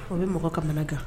O bɛ mɔgɔ kamana gan